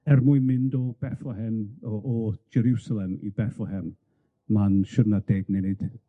Er mwyn mynd o Bethlehem o o Jerwsalem i Bethlehem, ma'n ryw siwrna deg munud.